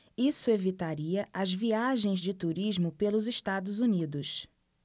isso evitaria as viagens de turismo pelos estados unidos